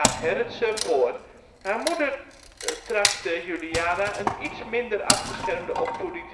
Gerretsen voor. Haar moeder trachtte Juliana een iets minder afgeschermde opvoeding